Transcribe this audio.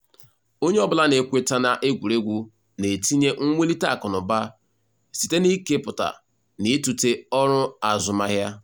Onye ọbụla na-ekweta na egwuregwu na entinye mwulite akụnụba site na ikepụta na itute ọrụ azụmahịa.